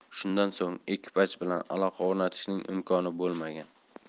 shundan so'ng ekipaj bilan aloqa o'rnatishning imkoni bo'lmagan